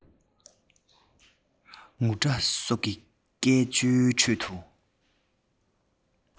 ངུ སྒྲ སོགས ཀྱི སྐད ཅོའི ཁྲོད དུ